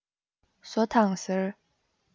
ཟོ དང ཟེར